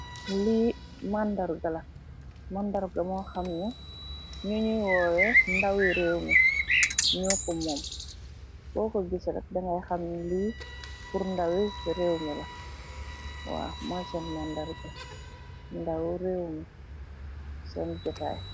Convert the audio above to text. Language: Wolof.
Lii mandarga la, mandarga moo xam ne, ñu ñuy woowe ndaw i réw mi, ñoo ko moom, foo ko gis rek, nga xam ne, ndaw i réw mi ñoo ko moom, waaw, mooy seen mandarga.